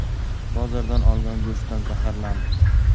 bozordan olgan go'shtdan zaharlanibdi